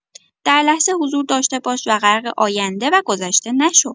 در لحظه حضور داشته باش و غرق آینده و گذشته نشو.